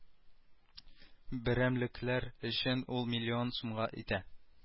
Берәмлекләр өчен ул миллион сумга итә